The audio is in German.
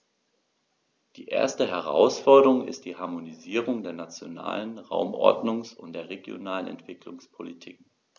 Die erste Herausforderung ist die Harmonisierung der nationalen Raumordnungs- und der regionalen Entwicklungspolitiken.